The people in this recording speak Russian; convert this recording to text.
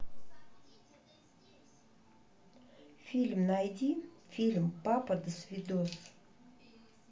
фильм найди фильм папа досвидос